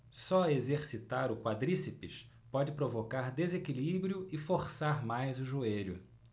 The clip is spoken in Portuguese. só exercitar o quadríceps pode provocar desequilíbrio e forçar mais o joelho